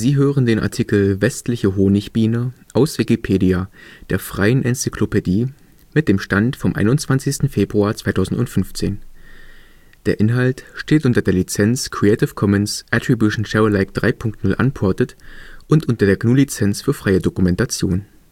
hören den Artikel Westliche Honigbiene, aus Wikipedia, der freien Enzyklopädie. Mit dem Stand vom Der Inhalt steht unter der Lizenz Creative Commons Attribution Share Alike 3 Punkt 0 Unported und unter der GNU Lizenz für freie Dokumentation